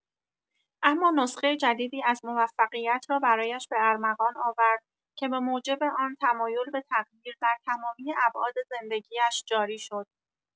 اما نسخه جدیدی از موفقیت را برایش به ارمغان آورد که به‌موجب آن، تمایل به تغییر در تمامی ابعاد زندگی‌اش جاری شد.